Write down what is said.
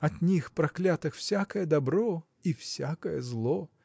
От них, проклятых, всякое добро и всякое зло.